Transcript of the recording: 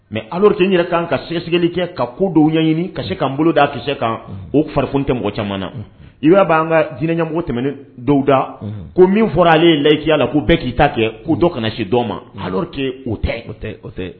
Mɛ ala tɛ yɛrɛ kan ka sɛgɛsɛgɛli kɛ ka ko dɔw ɲɛɲini ka se ka'an bolo d' kasɛ kan o farif tɛ mɔgɔ caman na i b'a'an ka jinɛinɛ ɲɛmɔgɔ tɛmɛn dɔwda ko min fɔra ale layihikiya la ko bɛɛ k'i ta kɛ k'o dɔ kana na se dɔw ma tɛ o tɛ tɛ